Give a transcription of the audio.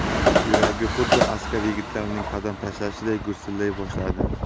yuragi xuddi askar yigitlarning qadam tashlashiday gursillay boshladi